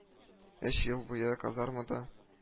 Өч ел буе казармада